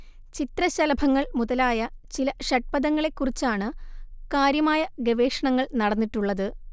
ചിത്രശലഭങ്ങൾ മുതലായ ചില ഷഡ്പദങ്ങളേക്കുറിച്ചാണ് കാര്യമായ ഗവേഷണങ്ങൾ നടന്നിട്ടുള്ളത്